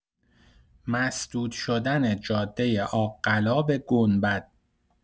مسدود شدن جاده آق‌قلا به گنبد.